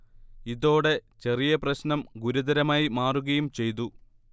ഇതോടെ ചെറിയ പ്രശ്നം ഗുരുതരമായി മാറുകയും ചെയ്തു